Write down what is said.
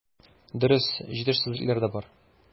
Дөрес, җитешсезлекләр дә бар.